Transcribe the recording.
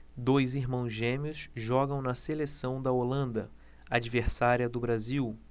dois irmãos gêmeos jogam na seleção da holanda adversária do brasil